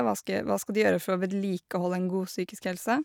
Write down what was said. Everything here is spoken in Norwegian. hva ske Hva skal de gjøre for å vedlikeholde en god psykisk helse?